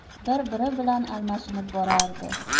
bir biri bilan almashinib borardi